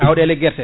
awɗele guerte